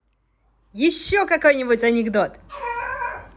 еще какой нибудь анекдот